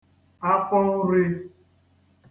afọnrī